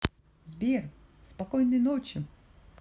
сбер спокойной ночи